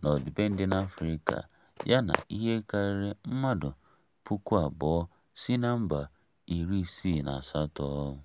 na ọdịbendị n'Africa", ya na ihe karịrị mmadụ 2,000 si mba 68.